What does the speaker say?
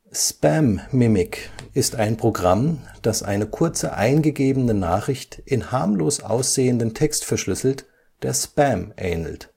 Spammimic ist ein Programm, das eine kurze eingegebene Nachricht in harmlos aussehenden Text verschlüsselt, der Spam ähnelt